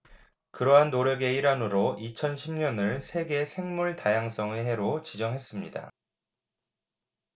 그러한 노력의 일환으로 이천 십 년을 세계 생물 다양성의 해로 지정했습니다